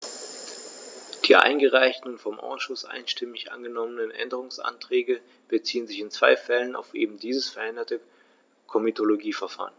Die eingereichten und vom Ausschuss einstimmig angenommenen Änderungsanträge beziehen sich in zwei Fällen auf eben dieses veränderte Komitologieverfahren.